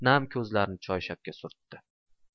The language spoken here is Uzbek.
nam ko'zlarini choyshabga surtdi